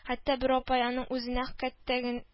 Хәтта бер апай аның үзенә кәттә ге